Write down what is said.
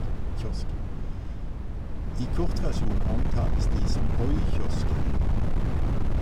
I kort versjon omtales de som oi-kiosker.